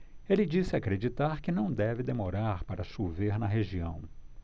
ele disse acreditar que não deve demorar para chover na região